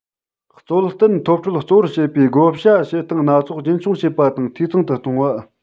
རྩོལ བསྟུན ཐོབ སྤྲོད གཙོ བོར བྱེད པའི བགོ བཤའ བྱེད སྟངས སྣ ཚོགས རྒྱུན འཁྱོངས བྱེད པ དང འཐུས ཚང དུ གཏོང བ